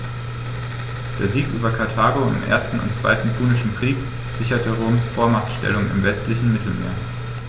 Der Sieg über Karthago im 1. und 2. Punischen Krieg sicherte Roms Vormachtstellung im westlichen Mittelmeer.